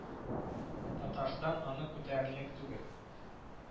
Татарстан аны күтәрерлек түгел